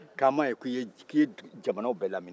kaama ye k'i ye jamanaw bɛ lamini